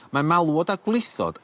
Mae malwod a gwlithod